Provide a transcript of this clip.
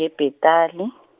ngeBhetali.